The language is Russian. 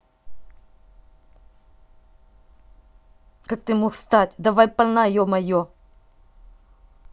как ты мог встать давай польна е мое